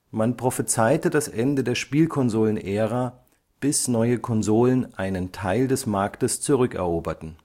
Man prophezeite das Ende der Spielkonsolen-Ära, bis neue Konsolen einen Teil des Marktes zurückeroberten